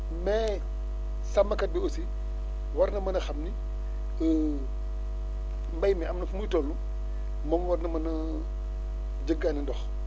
mais sàmmkat bi aussi war na mën a xam ni mbéy mi am na fu muy toll moom war na mën a jéggaani ndox